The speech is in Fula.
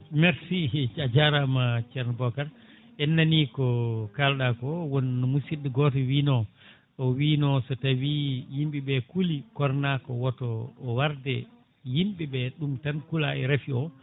merci a jarama ceerno Bocar en nani ko kalɗa ko woon musidɗo goto wiino o wiino so tawi yimɓeɓe kuuli Corona ko woto warde yimɓrɓe ɗum tan huula e raafi o